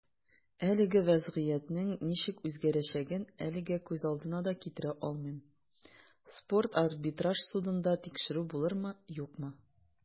Әлеге вәзгыятьнең ничек үзгәрәчәген әлегә күз алдына да китерә алмыйм - спорт арбитраж судында тикшерү булырмы, юкмы.